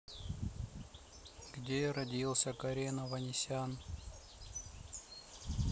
где родился карена ванесян